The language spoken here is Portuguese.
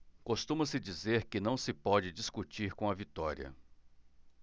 costuma-se dizer que não se pode discutir com a vitória